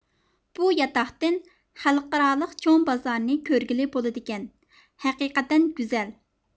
بۇ ياتاقتىن خەلقئارالىق چوڭ بازارنى كۆرگىلى بولىدىكەن ھەقىقەتەن گۈزەل